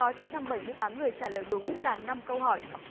có chín trăm bảy mươi tám người trả lời đúng cả năm câu hỏi